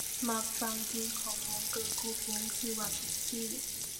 มักฟังเพลงของวง girl group วงชื่อว่า PiXXiE